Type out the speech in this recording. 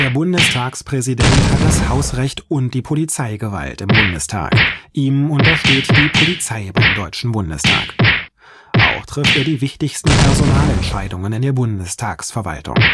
Bundestagspräsident hat das Hausrecht und die Polizeigewalt im Bundestag; ihm untersteht die Polizei beim Deutschen Bundestag. Auch trifft er die wichtigsten Personalentscheidungen in der Bundestagsverwaltung